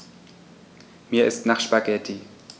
Mir ist nach Spaghetti.